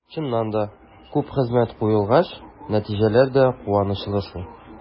Чыннан да, күп хезмәт куелгач, нәтиҗәләр дә куанычлы шул.